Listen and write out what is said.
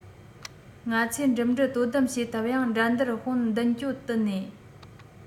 ང ཚོས འགྲིམ འགྲུལ དོ དམ བྱེད ཐབས ཡང འགྲན བསྡུར དཔུང མདུན བསྐྱོད བསྟུན ནས